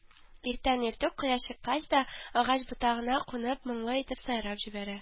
Иртән-иртүк, кояш чыккач та, агач ботагына кунып моңлы итеп сайрап җибәрә